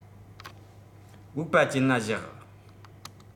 བུག པ ཅན ལ བཞག